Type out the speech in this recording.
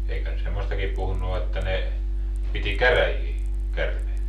eikö ne semmoistakin puhunut että ne piti käräjiä käärmeet